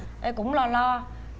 ê cũng lo lo